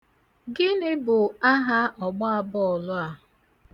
Gịnị bụ aha ọgbaabọọlụ a?